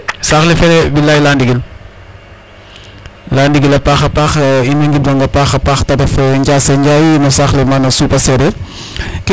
Sax le felee bilay laya ndigil, laya ndigil a paax a paax. In woy ngidmang a paxa paax ta ref NJase NJaay no saax le maana Supa sereer.